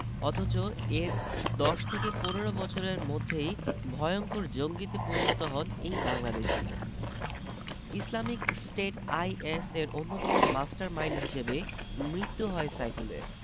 অথচ এর ১০ থেকে ১৫ বছরের মধ্যেই ভয়ংকর জঙ্গিতে পরিণত হন এই বাংলাদেশি ইসলামিক স্টেট আইএস এর অন্যতম মাস্টারমাইন্ড হিসেবে মৃত্যু হয় সাইফুলের